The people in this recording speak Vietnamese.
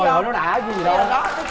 trời nó đã gì đâu